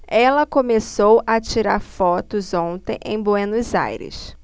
ela começou a tirar fotos ontem em buenos aires